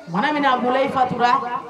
Wara min a bolo i fatura